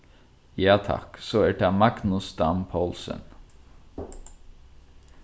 ja takk so er tað magnus dam poulsen